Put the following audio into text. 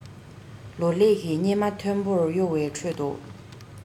ལོ ལེགས ཀྱི སྙེ མ མཐོན པོར གཡོ བའི ཁྲོད དུ